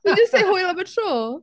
Did you say hwyl am y tro?